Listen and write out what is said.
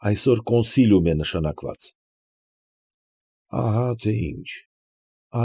Այսօր կքնսոլիում է նշանակված։ Ահա թե ինչ։